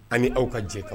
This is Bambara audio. Ani aw ka jɛ kan